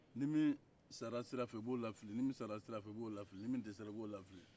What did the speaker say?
ni min sara sirafɛ o b'o lafili ni min sara sirafɛ o b'o lafili ni min dɛsɛra o b'o lafili